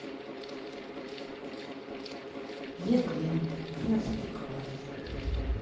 егэ одиннадцатый класс